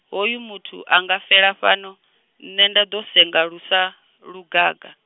hoyu muthu, anga fela fhano, nṋe nda ḓo senga lusa, lugaga.